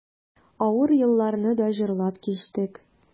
Авыр елларны да җырлап кичтек.